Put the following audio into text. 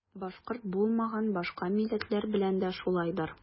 Башкорт булмаган башка милләтләр белән дә шулайдыр.